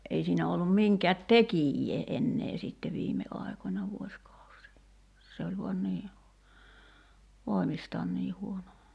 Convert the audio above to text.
ei siinä ollut minkään tekijää enää sitten viime aikoina vuosikausia se oli vain niin voimistaan niin huono